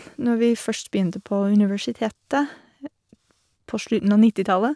Når vi først begynte på universitetet på slutten av nittitallet.